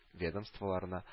Ведомстволарына